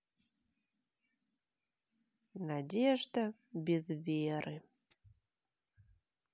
надежда без веры